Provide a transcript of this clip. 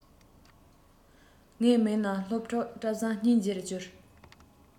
ངའི མིག ནང སློབ ཕྲུག བཀྲ བཟང སྙིང རྗེ རུ གྱུར